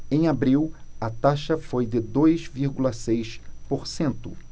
em abril a taxa foi de dois vírgula seis por cento